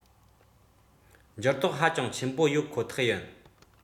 འགྱུར ལྡོག ཧ ཅང ཆེན པོ ཡོད ཁོ ཐག ཡིན